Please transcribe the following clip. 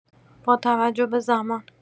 با توجه به زمان